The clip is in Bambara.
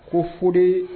Ko fu de